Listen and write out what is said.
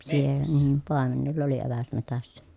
- niin paimenella oli eväs metsässä